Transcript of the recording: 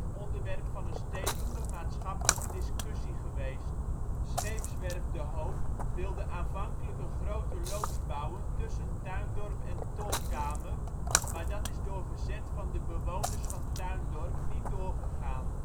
onderwerp van een stevige maatschappelijke discussie geweest. Scheepswerf De Hoop wilde aanvankelijk een grote loods bouwen tussen Tuindorp en Tolkamer maar dat is door verzet van de bewoners van Tuindorp niet doorgegaan